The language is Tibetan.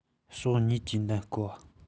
ཕྱོགས གཉིས གྱི འདེམས སྐོ བ